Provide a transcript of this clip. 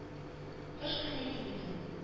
Кыш көне иде, төн